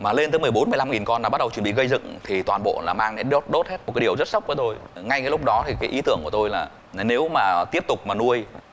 mà lên tới mười bốn mười lăm nghìn con là bắt đầu chuẩn bị gây dựng thì toàn bộ là mang đốt đốt hết một cái điều rất sốc với tôi ngay lúc đó thì cái ý tưởng của tôi là là nếu mà tiếp tục mà nuôi